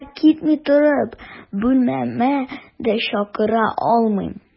Алар китми торып, бүлмәмә дә чакыра алмыйм.